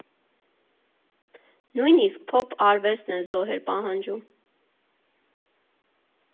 Նույնիսկ փոփ֊արվեստն է զոհեր պահանջում։